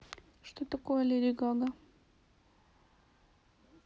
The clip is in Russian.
что такое lady gaga